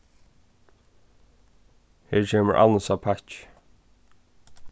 her kemur annusa pakki